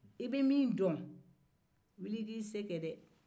i bɛ min dɔn wuli i k'i se kɛ dɛɛ